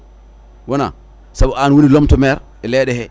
wona saabu an woni lomto maire e leeɗe he